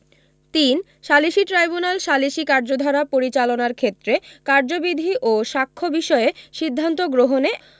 ৩ সালিসী ট্রাইব্যুনাল সালিসী কার্যধারা পরিচালনার ক্ষেত্রে কার্যবিধি ও সাখ্য বিষয়ে সিদ্ধান্ত গ্রহণে